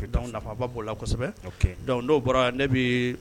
Donc nafaba bɔra kosɛbɛ, ok, donc n'o bɔra al ne bɛ